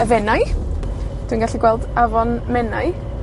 y Fenai, dwi'n gallu gweld afon Menai